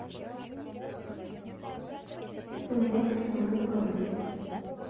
ты можешь со мной поговорить